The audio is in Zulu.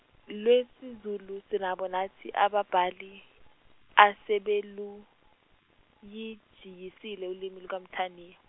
lwesiZulu sinabo nathi ababhali, asebelujiyisile ulimi lukaMthaniya.